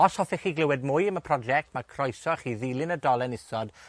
Os hoffech chi glywed mwy am y project, ma' croeso i chi ddilyn y dolen isod,